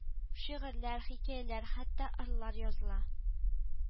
Шигырьләр, хикәяләр, хәтта ырлар языла